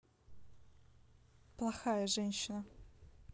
плохая женщина